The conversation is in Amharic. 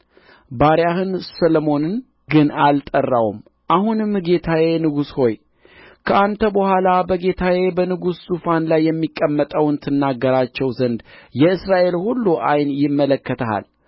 ባሪያህን ሰሎሞንን ግን አልጠራውም አሁንም ጌታዬ ንጉሥ ሆይ ከአንተ በኋላ በጌታዬ በንጉሥ ዙፋን ላይ የሚቀመጠውን ትነግራቸው ዘንድ የእስራኤል ሁሉ ዓይን ይመለከትሃል